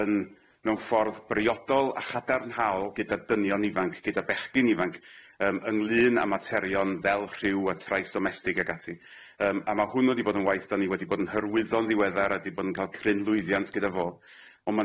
yn, mewn ffordd briodol a chadarnhaol gyda dynion ifanc gyda bechgyn ifanc yym ynglŷn â materion fel rhyw a trais domestig ag ati yym a ma' hwnnw wedi bod yn waith dan ni wedi bod yn hyrwyddo yn ddiweddar a wedi bod yn ca'l cryn lwyddiant gyda fo on' ma'